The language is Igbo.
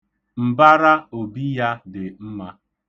Mbara obi ya dị mma.